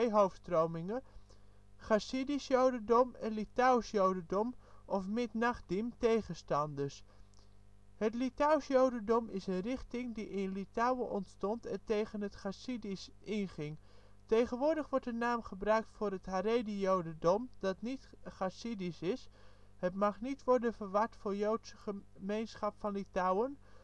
hoofdstromingen: Chassidisch jodendom en Litouws jodendom of " mitnagdim " (tegenstanders). Het Litouws jodendom is een richting die in Litouwen ontstond en tegen het chassidisme inging. Tegenwoordig wordt de naam gebruikt voor het haredi-jodendom dat niet chassidisch is. Het mag niet worden verward voor joodse gemeenschap van Litouwen